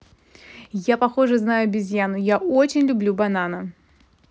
я похоже знаю обезьяну я очень люблю банана